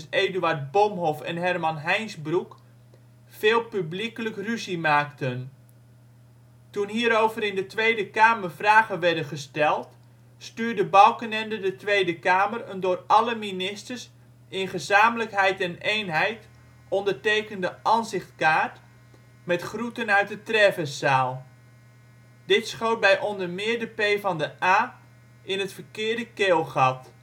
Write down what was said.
Eduard Bomhoff en Herman Heinsbroek veel publiekelijk ruzie maakten. Toen hierover in de Tweede Kamer vragen werden gesteld, stuurde Balkenende de Tweede Kamer een door alle ministers ' in gezamenlijkheid en eenheid ' ondertekende ansichtkaart met groeten uit de Trêveszaal. Dit schoot bij onder meer de PvdA in het verkeerde keelgat